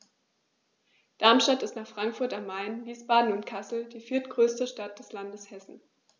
Darmstadt ist nach Frankfurt am Main, Wiesbaden und Kassel die viertgrößte Stadt des Landes Hessen